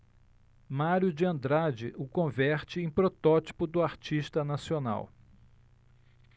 mário de andrade o converte em protótipo do artista nacional